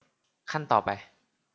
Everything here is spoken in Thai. ขั้นต่อไป